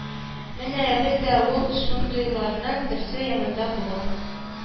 Менә әле дә ул шундыйларның берсе янында булып